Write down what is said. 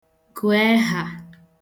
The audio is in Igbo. gụ̀ ehà